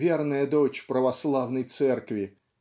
верная дочь православной церкви